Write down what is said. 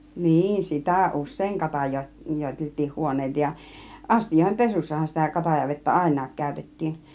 niin sitä usein - katajoiteltiin huoneita ja astioiden pesussahan sitä katajavettä ainakin käytettiin